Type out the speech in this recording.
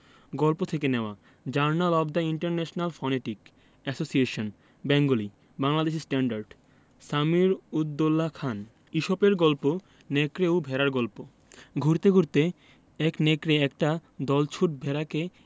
গল্প থেকে নেওয়া journal of the international phonetic association Bengali Bangladeshi standard Samir ud Daula Khan ইসপের গল্প নেকড়ে ও ভেড়ার গল্প ঘুরতে ঘুরতে এক নেকড়ে একটা দলছুট ভেড়াকে